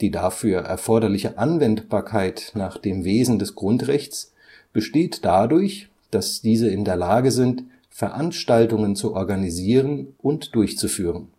dafür erforderliche Anwendbarkeit nach dem Wesen des Grundrechts besteht dadurch, dass diese in der Lage sind, Veranstaltungen zu organisieren und durchzuführen